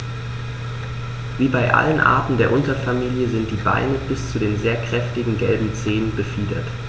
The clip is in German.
Wie bei allen Arten der Unterfamilie sind die Beine bis zu den sehr kräftigen gelben Zehen befiedert.